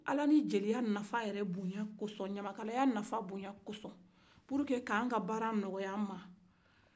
ala ni jeliya nafa yɛrɛ bonya kɔsɔ ɲamakaya nafa bonya kɔsɔ pour que k'an ka baara nɔgɔy'an ma